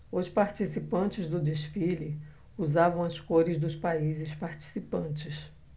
os participantes do desfile usavam as cores dos países participantes